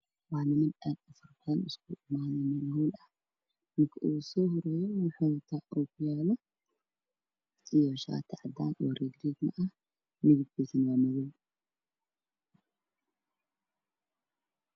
Waxaa ii muuqda niman fadhiyaan howl ku fadhiyaan kuraas guduud ah waxay qaban shaatiyaal suudaan midabkoodu yahay cadaan ka